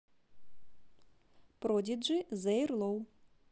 продиджи зеир лоу